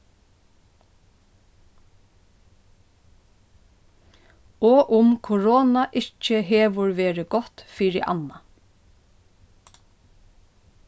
og um korona ikki hevur verið gott fyri annað